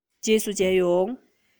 རྗེས སུ མཇལ ཡོང